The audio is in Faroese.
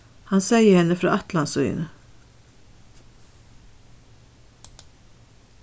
hann segði henni frá ætlan síni